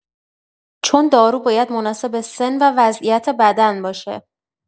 چون دارو باید مناسب سن و وضعیت بدن باشه.